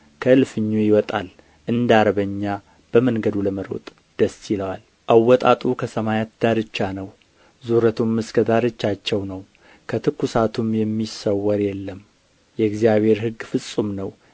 ከእልፍኙ ይወጣል እንደ አርበኛ በመንገዱ ለመሮጥ ደስ ይለዋል አወጣጡ ከሰማያት ዳርቻ ነው ዙረቱም እስከ ዳርቻቸው ነው ከትኩሳቱም የሚሰወር የለም የእግዚአብሔር ሕግ ፍጹም ነው